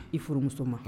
I furumuso ma